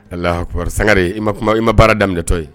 Ha sangare ma kuma i ma baara daminɛtɔ yen